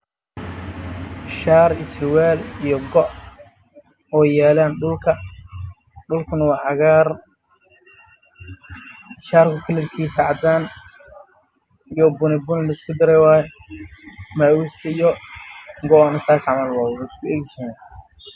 Meeshaan waxaa yaalla shaati iyo macauus